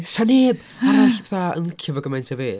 Sa neb arall fatha yn licio fo gymaint â fi.